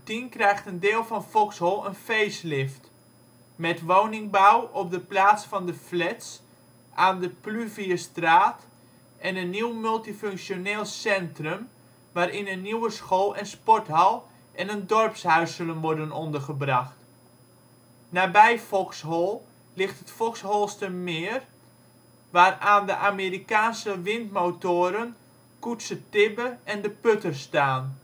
In 2010 krijgt een deel van Foxhol een face-lift, met woningbouw op de plaats van de flats aan de Pluvierstraat en een nieuw multifunctioneel centrum, waarin een nieuwe school en sporthal en een dorpshuis zullen worden ondergebracht. Nabij Foxhol ligt het Foxholstermeer, waaraan de Amerikaanse windmotoren Koetze Tibbe en De Putter staan